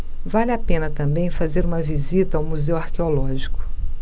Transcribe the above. vale a pena também fazer uma visita ao museu arqueológico